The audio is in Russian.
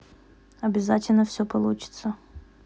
обязательно все получится